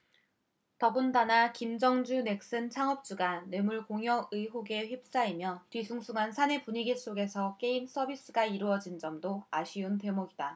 더군다나 김정주 넥슨 창업주가 뇌물 공여 의혹에 휩싸이며 뒤숭숭한 사내 분위기 속에서 게임 서비스가 이뤄진 점도 아쉬운 대목이다